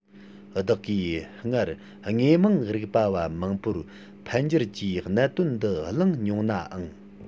བདག གིས སྔར དངོས མང རིག པ བ མང པོར འཕེལ འགྱུར གྱི གནད དོན འདི གླེང མྱོང ནའང